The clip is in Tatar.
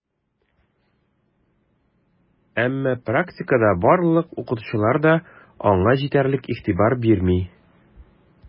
Әмма практикада барлык укытучылар да аңа җитәрлек игътибар бирми: